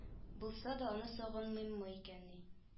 Булса да аны сагынмыймы икәнни